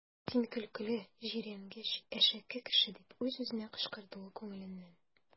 Син көлкеле, җирәнгеч, әшәке кеше! - дип үз-үзенә кычкырды ул күңеленнән.